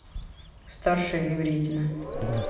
старшая и вредина